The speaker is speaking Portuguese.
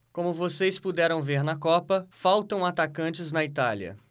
como vocês puderam ver na copa faltam atacantes na itália